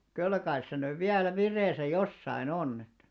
kyllä kai se nyt vielä vireessä jossakin on että